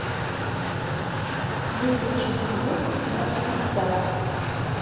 выключить звук на пятьдесят